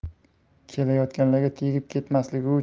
kelayotganlarga tegib ketmasligi